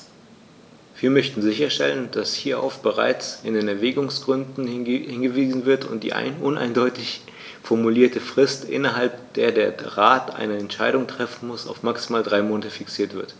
Wir möchten sicherstellen, dass hierauf bereits in den Erwägungsgründen hingewiesen wird und die uneindeutig formulierte Frist, innerhalb der der Rat eine Entscheidung treffen muss, auf maximal drei Monate fixiert wird.